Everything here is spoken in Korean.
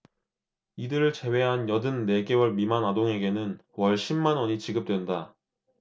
이들을 제외한 여든 네 개월 미만 아동에게는 월 십 만원이 지급된다